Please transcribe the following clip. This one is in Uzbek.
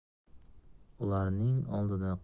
ularning oldida qizil